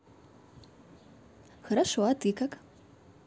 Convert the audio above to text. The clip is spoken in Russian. хорошо а ты как